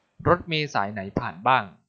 รถเมล์สายไหนผ่านบ้าง